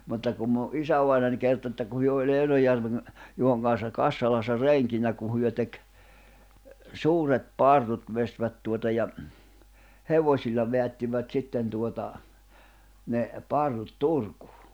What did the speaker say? mutta kun minun isävainaja kertoi että kun he oli Järven Juhon kanssa Kassalassa renkinä kun he teki suuret parrut veistivät tuota ja hevosilla vedättivät sitten tuota ne parrut Turkuun